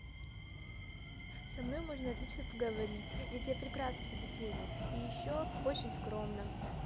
со мной можно отлично поговорить ведь я прекрасный собеседник и еще очень скромно